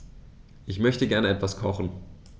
Ich möchte gerne etwas kochen.